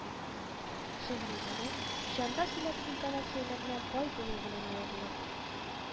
Шигърилеге, җанлы сөйләм интонацияләренә бай булуы белән аерылып